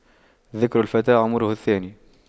ذكر الفتى عمره الثاني